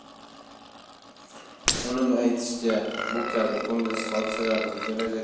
uning aytishicha bu kabi ko'ngilsiz hodisalarning kelajakda